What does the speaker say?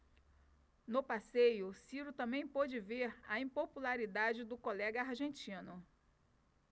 no passeio ciro também pôde ver a impopularidade do colega argentino